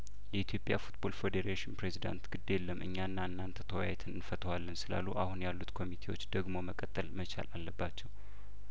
የኢትዮጵያ ፉትቦል ፌዴሬሽን ፕሬዝዳንት ግዴለም እኛና እናንተ ተወያይተን እንፈታዋለን ስላሉ አሁን ያሉት ኮሚቴዎች ደግሞ መቀጠል መቻል አለባቸው